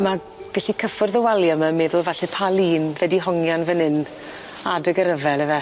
Ma' gallu cyffwrdd y walia 'my yn meddwl falle pa lun fe di hongian fan 'yn adeg y ryfel yfe.